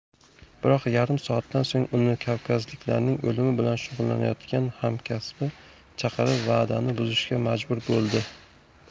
biroq yarim soatdan so'ng uni kavkazliklarning o'limi bilan shug'ullanayotgan hamkasbi chaqirib va'dani buzishga majbur bo'ldi